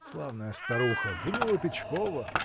Славная старуха — выгнала Тычкова!